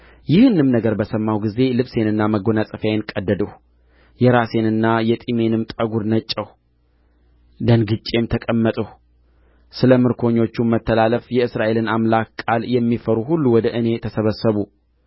ይህንም ነገር በሰማሁ ጊዜ ልብሴንና መጐናጸፊያዬን ቀደድሁ የራሴንና የጢሜንም ጠጉር ነጨሁ ደንግጬም ተቀመጥሁ ስለ ምርኮኞቹም መተላለፍ የእስራኤልን አምላክ ቃል የሚፈሩ ሁሉ ወደ